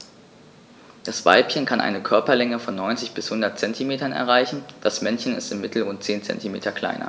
Das Weibchen kann eine Körperlänge von 90-100 cm erreichen; das Männchen ist im Mittel rund 10 cm kleiner.